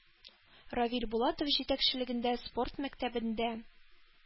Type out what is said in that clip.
Равил Булатов җитәкчелегендәге спорт мәктәбендә